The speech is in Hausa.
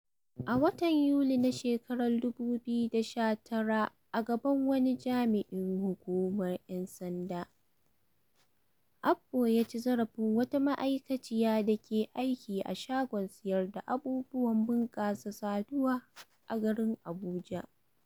A watan Yuli na shekarar 2019 a gaban wani jami'in hukumar 'yan sanda, Abbo ya ci zarafin wata ma'aikaciya da ke aiki a shagon sayar da abubuwan bunƙasa saduwa a garin Abuja.